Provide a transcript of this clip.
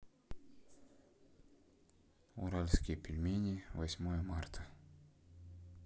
уральские пельмени восьмое марта